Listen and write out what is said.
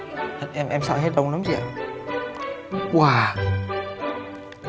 em sợ hết đông lắm chị ạ òa